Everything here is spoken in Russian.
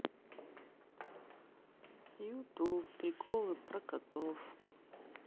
ютуб приколы про котов